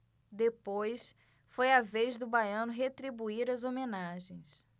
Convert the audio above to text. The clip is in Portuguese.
depois foi a vez do baiano retribuir as homenagens